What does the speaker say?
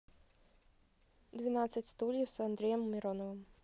двенадцать стульев с андреем мироновым